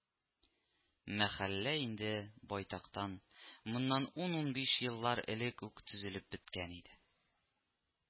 Мәхәллә инде байтактан, моннан ун-унбиш еллар элек үк төзелеп беткән иде